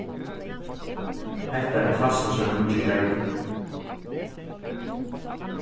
hetta er fastursa nýggi sjeikur